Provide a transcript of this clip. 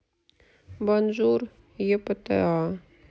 бонжур епта